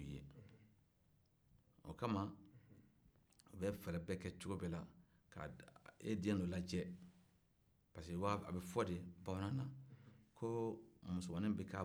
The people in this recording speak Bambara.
pariseke a bɛ fɔ de bamananna ko musomanin bɛ k'a ba ye